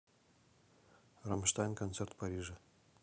рамштайн концерт в париже